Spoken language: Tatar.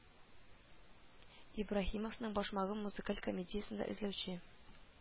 Ибраһимовның Башмагым музыкаль комедиясендә Эзләүче